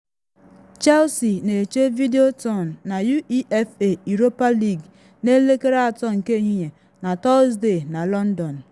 Chelsea na eche Videoton na UEFA Europa League na elekere 3 nke ehihie na Tọsde na London.